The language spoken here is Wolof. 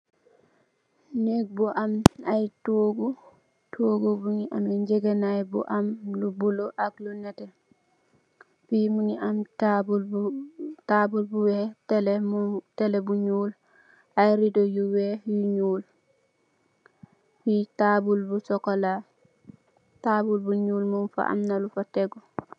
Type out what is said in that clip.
Neeg bu am ay togu togu mogi ameh ngegenay bu am lu bulo ak lu neteh fi mogi am tabul bu weex tele bu nuul ay redo bu weex yu nuul fi tabul bu chocola tabul bu nuul mung fa amna lu fa tegu.